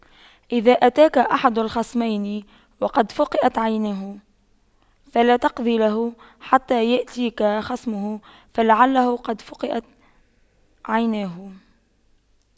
إذا أتاك أحد الخصمين وقد فُقِئَتْ عينه فلا تقض له حتى يأتيك خصمه فلعله قد فُقِئَتْ عيناه